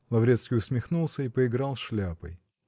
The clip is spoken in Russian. Лаврецкий усмехнулся и поиграл шляпой.